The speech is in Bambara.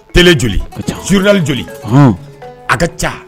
Tele joli? journal joli? Ɔnhɔn, A ka caa.